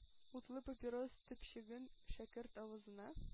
Утлы папирос төпчеген шәкерт авызына